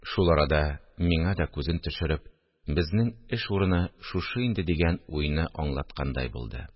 Шул арада миңа да күзен төшереп, безнең эш урыны шушы инде, дигән уйны аңлаткандай булды